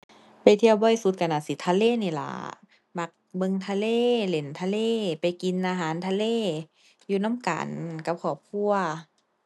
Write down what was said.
ไปเที่ยวบ่อยสุดก็น่าสิทะเลนี่ล่ะ มักเบิ่งทะเล เล่นทะเล ไปกินอาหารทะเลอยู่นำกันกับครอบครัว